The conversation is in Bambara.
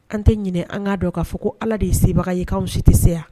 An tɛ ɲininka an k'a dɔn k'a fɔ ko ala de ye sebaga ye kan si tɛ se yan